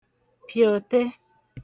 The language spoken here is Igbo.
pìòte